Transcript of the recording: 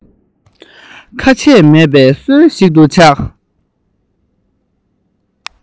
ཁ ཆད མེད པའི སྲོལ ཞིག ཏུ ཆགས